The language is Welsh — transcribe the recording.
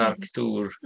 Parc dŵr.